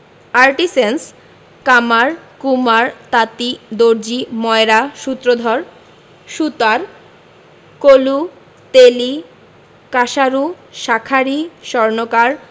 artisans কামার কুমার তাঁতি দর্জি ময়রা সূত্রধর সুতার কলু তেলী কাঁসারু শাঁখারি স্বর্ণকার